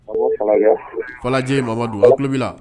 Falajɛ ma don a tulobi la